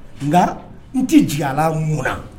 Nka n tɛ diyala mun na